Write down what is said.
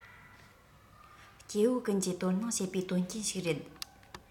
སྐྱེ བོ ཀུན གྱིས དོ སྣང བྱེད པའི དོན རྐྱེན ཞིག རེད